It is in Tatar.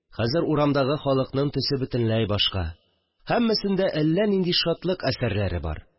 Хәзер урамдагы халыкның төсе бөтенләй башка, һәммәсендә әллә нинди шатлык әсәрләре бар